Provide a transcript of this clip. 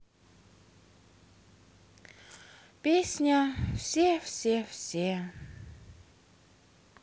песня все все все